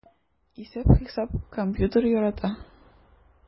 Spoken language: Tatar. Исәп-хисап, компьютер ярата...